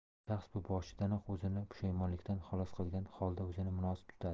shaxs u boshidanoq o'zini pushaymonlikdan xalos qilgan holda o'zini munosib tutadi